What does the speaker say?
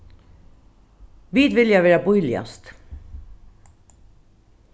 vit vilja vera bíligast